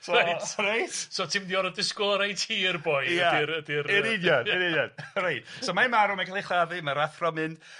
So reit so reit? So ti'n mynd i orod disgwl y' reit hir boi... Ia. ...ydi'r ydi'r y... Yn union yn union. Reit so mae'n marw mae'n ca'l ei chladdu mae'r athro'n mynd